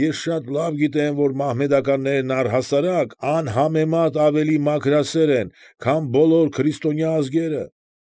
Ես շատ լավ գիտեմ, որ մահմեդականներն առհասարակ անհամեմատ ավելի մաքրասեր են, քան բոլոր քրիստոնյա ազգերը։